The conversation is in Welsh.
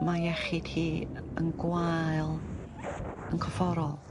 mae iechyd hi yy yn gwael yn cofforol.